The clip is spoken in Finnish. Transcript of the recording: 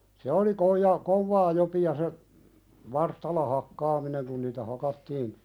se oli - kovaa jopia se varstalla hakkaaminen kun niitä hakattiin